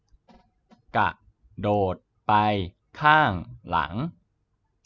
กระโดดไปข้างหลัง